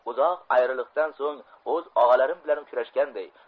uzoq ayriliqdan so'ng o'z og'alarim bilan uchrashganday